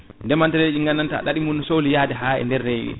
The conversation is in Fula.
ndeemanteɗeje ɗe ganduta ɗaaɗi mum ne sohli yaade ha e nder leydi